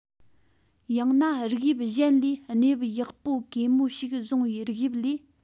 ཡང ན རིགས དབྱིབས གཞན ལས གནས བབ ཡག པོ གེ མོ ཞིག བཟུང བའི རིགས དབྱིབས ལས